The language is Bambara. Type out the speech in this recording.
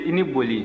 i ni boli